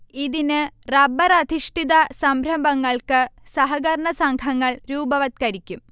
ഇതിന് റബ്ബറധിഷ്ഠിത സംരംഭങ്ങൾക്ക് സഹകരണ സംഘങ്ങൾ രൂപവത്കരിക്കും